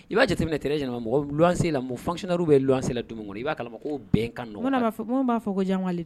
I b'a jateminɛ t ɲɛna mɔgɔ fanina bɛ wasela dumuni kɔnɔ i b'a ko bɛnkan ba b'a fɔ ko janli